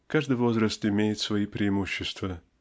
Каждый возраст имеет свои преимущества